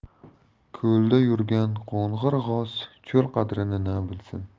ko'lda yurgan qo'ng'ir g'oz cho'l qadrini na bilsin